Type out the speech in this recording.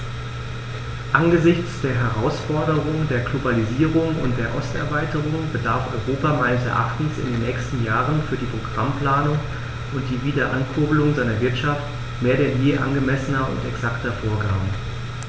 Angesichts der Herausforderung der Globalisierung und der Osterweiterung bedarf Europa meines Erachtens in den nächsten Jahren für die Programmplanung und die Wiederankurbelung seiner Wirtschaft mehr denn je angemessener und exakter Vorgaben.